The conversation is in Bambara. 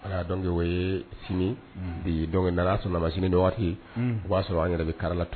Aya donc o ye sini , unhun, bi _ donc Ala sɔnna a ma ni waati sini, un, o b'a sɔrɔ an yɛrɛ bɛ kalala tuguni.